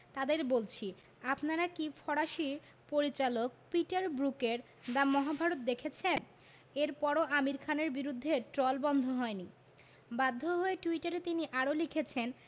তাঁদের বলছি আপনারা কি ফরাসি পরিচালক পিটার ব্রুকের “দ্য মহাভারত” দেখেছেন এরপরও আমির খানের বিরুদ্ধে ট্রল বন্ধ হয়নি বাধ্য হয়ে টুইটারে তিনি আবারও লিখেছেন